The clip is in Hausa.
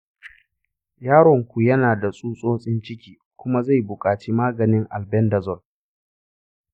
yaronku yana da tsutsotsin ciki kuma zai buƙaci maganin albendazole.